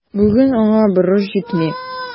Бүген аңа борыч җитми.